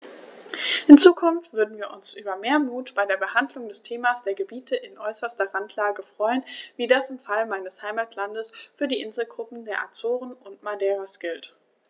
In Zukunft würden wir uns über mehr Mut bei der Behandlung des Themas der Gebiete in äußerster Randlage freuen, wie das im Fall meines Heimatlandes für die Inselgruppen der Azoren und Madeiras gilt.